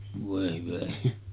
voi hyvä ihme